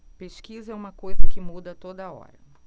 pesquisa é uma coisa que muda a toda hora